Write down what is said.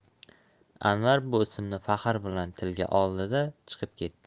anvar bu ismni faxr bilan tilga oldi da chiqib ketdi